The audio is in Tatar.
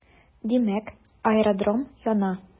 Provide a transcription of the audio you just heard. Димәк, аэродром яна.